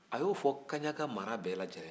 a y'o fɔ kaɲaka mara bɛɛ lajɛlen na